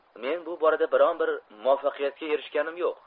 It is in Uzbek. men bu borada biron bir muvaffaqiyatga erishganim yo'q